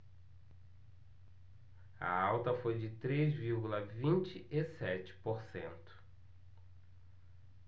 a alta foi de três vírgula vinte e sete por cento